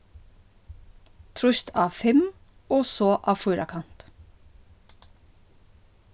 trýst á fimm og so á fýrakant